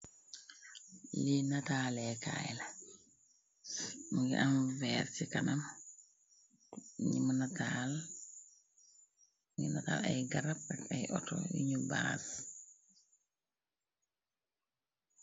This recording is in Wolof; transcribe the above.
Li nataaleekaay lamu ngi am veer ci kanam num nataal. Mungi am ay garab ak ay oto nung ko am.